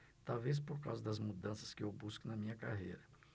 talvez por causa das mudanças que eu busco na minha carreira